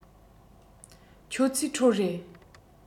ཁྱོད ཚོས ཁྲོད རེད